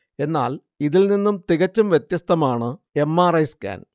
എന്നാൽ ഇതിൽനിന്നു തികച്ചും വ്യത്യസ്തമാണ് എം. ആർ. ഐ. സ്കാൻ